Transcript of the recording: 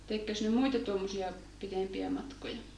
tekikös ne muita tuommoisia pitempiä matkoja